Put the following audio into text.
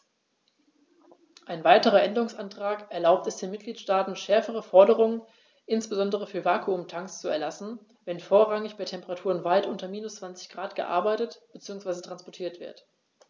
Ein weiterer Änderungsantrag erlaubt es den Mitgliedstaaten, schärfere Forderungen, insbesondere für Vakuumtanks, zu erlassen, wenn vorrangig bei Temperaturen weit unter minus 20º C gearbeitet bzw. transportiert wird.